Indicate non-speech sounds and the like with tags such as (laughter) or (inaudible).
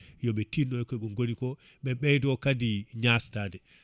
yoɓe tinno ekoɓe goniko (breath) ɓe ɓeydo kadi ñastade